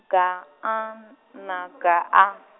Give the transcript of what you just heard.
G A na G A.